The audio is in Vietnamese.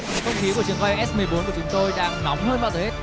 không khí của trường quay ét mười bốn của chúng tôi đang nóng hơn bao giờ hết